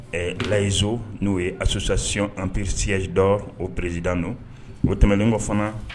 Ɛ layizo n'o ye azsasiyon presiyasi dɔ o perezsid don o tɛmɛnlen kɔ fana